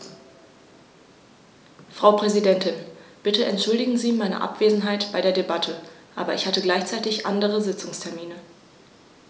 Frau Präsidentin, bitte entschuldigen Sie meine Abwesenheit bei der Debatte, aber ich hatte gleichzeitig andere Sitzungstermine.